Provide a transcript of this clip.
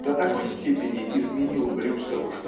до такой степени изменил Брюсову